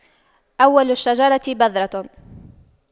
أول الشجرة بذرة